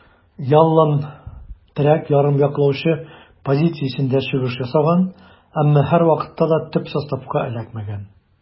Ялланн терәк ярым яклаучы позициясендә чыгыш ясаган, әмма һәрвакытта да төп составка эләкмәгән.